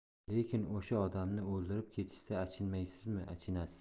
lekin o'sha odamni o'ldirib ketishsa achinmaysizmi achinasiz